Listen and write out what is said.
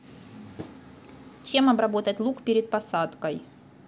чем обработать лук перед посадкой